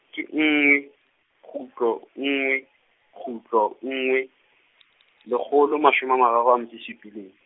ke nngwe, kgutlo nngwe, kgutlo nngwe, lekgolo mashome a mararo a metso e supileng.